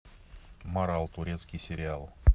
марал турецкий сериал